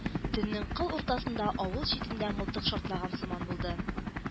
Төннең кыл уртасында авыл читендә мылтык шартлаган сыман булды